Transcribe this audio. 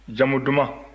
jamu duman